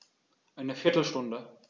Eine viertel Stunde